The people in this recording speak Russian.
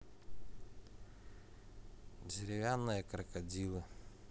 деревянные крокодилы